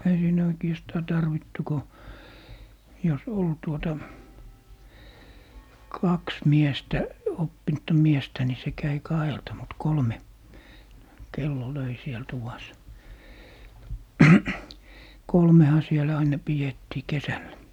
ei siinä oikeastaan tarvittu kun jos oli tuota kaksi miestä oppinutta miestä niin se kävi kahdelta mutta kolme kello löi siellä tuvassa kolmehan siellä aina pidettiin kesällä